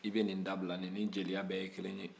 i bɛ nin dabila nin ni jeliya bɛɛ ye kelen ye